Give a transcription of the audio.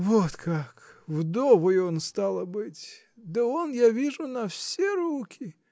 Вот как: вдовый он, стало быть. Да он, я вижу, на все руки.